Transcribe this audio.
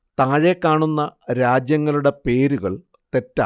താഴെ കാണുന്ന രാജ്യങ്ങളുടെ പേരുകൾ തെറ്റാണ്